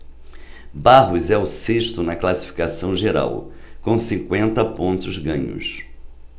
barros é o sexto na classificação geral com cinquenta pontos ganhos